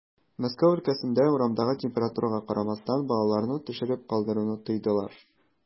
Мәскәү өлкәсендә, урамдагы температурага карамастан, балаларны төшереп калдыруны тыйдылар.